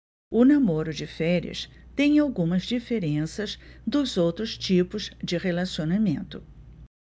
o namoro de férias tem algumas diferenças dos outros tipos de relacionamento